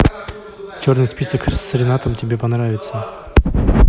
черный список с ренатом тебе понравится